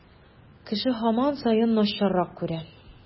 Кеше һаман саен начаррак күрә.